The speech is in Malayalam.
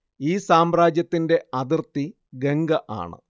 ഈ സാമ്രാജ്യത്തിന്റെ അതിർത്തി ഗംഗ ആണ്